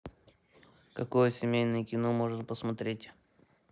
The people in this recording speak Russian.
какое семейное кино можно посмотреть